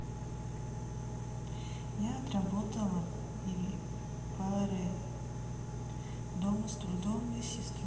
я отработала и pure дома с другом и сестрой